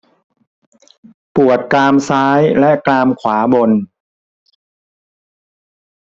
ปวดกรามซ้ายและกรามขวาบน